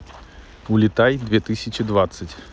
улетай две тысячи двадцать